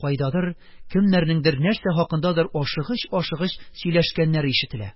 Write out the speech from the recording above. Кайдадыр, кемнәрнеңдер нәрсә хакындадыр ашыгыч-ашыгыч сөйләшкәннәре ишетелә.